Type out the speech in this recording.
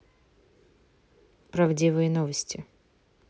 правдивые новости